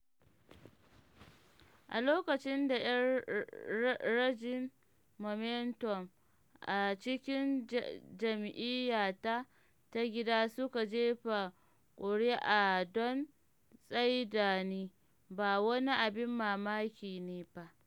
A lokacin da ‘yan rajin Momentum a cikin jam’iyyata ta gida suka jefa kuri’a don tsaida ni, ba wani abin mamaki ne ba.